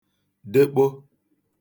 dekpo